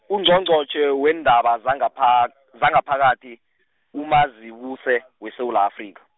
Ungqongqotjhe weendaba ZangaPha- zangaphakathi, uMazibuse weSewula Afrika.